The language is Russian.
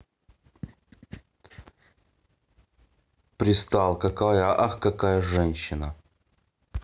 пристал какая ах какая женщина